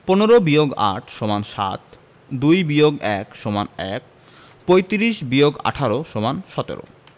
১৫ বিয়োগ ৮ সমান ৭ ২ বিয়োগ ১ সমান১ ৩৫ বিয়োগ ১৮ সমান ১৭